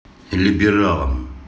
либералам